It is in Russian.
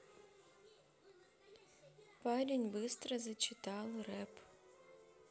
парень быстро зачитал рэп